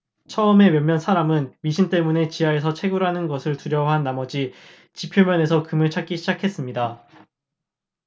처음에 몇몇 사람은 미신 때문에 지하에서 채굴하는 것을 두려워한 나머지 지표면에서 금을 찾기 시작했습니다